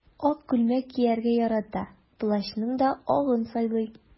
Ак күлмәк кияргә ярата, плащның да агын сайлый.